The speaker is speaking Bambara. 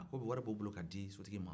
a ko wari b'o bolo ka di sotigi